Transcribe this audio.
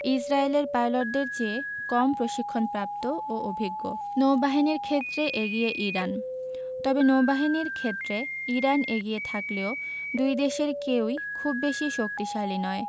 ইসরায়েলের পাইলটদের চেয়ে কম প্রশিক্ষণপ্রাপ্ত ও অভিজ্ঞ নৌবাহিনীর ক্ষেত্রে এগিয়ে ইরান তবে নৌবাহিনীর ক্ষেত্রে ইরান এগিয়ে থাকলেও দুই দেশের কেউই খুব বেশি শক্তিশালী নয়